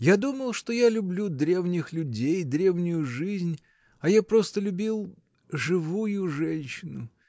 Я думал, что я люблю древних людей, древнюю жизнь, а я просто любил. живую женщину